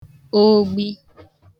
ogbi